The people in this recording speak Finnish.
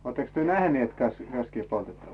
olettekos te nähneet - kaskia poltettavan